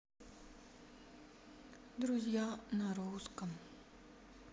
друзья на русском